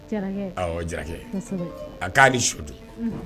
Jara a k ko sudu